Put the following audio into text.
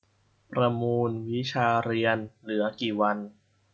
ประมูลวิชาเรียนเหลือกี่วัน